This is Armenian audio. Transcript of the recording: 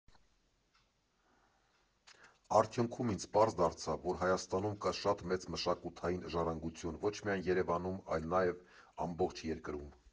Արդյունքում ինձ պարզ դարձավ, որ Հայաստանում կա շատ մեծ մշակութային ժառանգություն ոչ միայն Երևանում, այլ նաև ամբողջ երկրում։